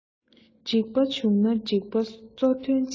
འགྲིག པ བྱུང ན འགྲིགས པ གཙོ དོན ཆེ